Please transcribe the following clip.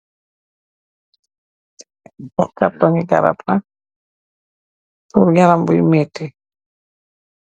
Bo carton gi garab la pul yaram bo meati.